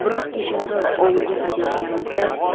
biroq kechalari ovulga qaytayotganimizda